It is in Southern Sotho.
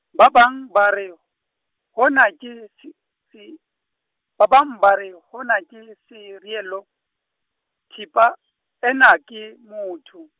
ba bang ba re, hona ke s-, se, ba bang ba re, hona ke sereello, thipa , ena, ke motho.